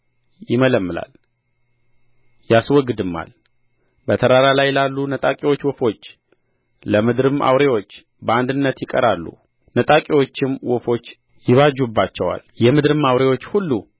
ይመለምላል ያስወግድማል በተራራ ላይ ላሉ ነጣቂዎች ወፎች ለምድርም አውሬዎች በአንድነት ይቀራሉ ነጣቂዎችም ወፎች ይባጁባቸዋል የምድርም አውሬዎች ሁሉ